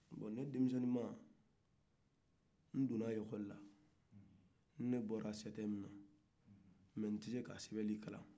bon ne demisenima ndonna ekɔl la ne bɔra setem na mais ntɛse ka sɛbɛnni kalan